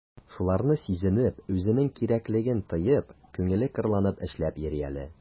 Шуларны сизенеп, үзенең кирәклеген тоеп, күңеле кырланып эшләп йөри әле...